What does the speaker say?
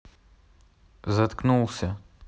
заткнулся